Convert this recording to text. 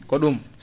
ko ɗum